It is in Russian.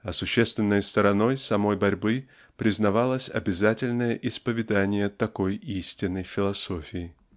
а существенной стороной самой борьбы признавалось обязательное исповедание такой "истинной" философии.